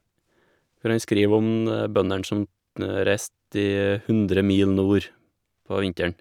Hvor han skriver om ne bøndene som tne reiste i hundre mil nord, på vinteren.